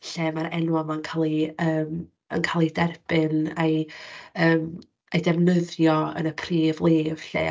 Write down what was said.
Lle ma'r enw 'ma yn cael eu yym derbyn a'u defnyddio yn y prif lif 'lly.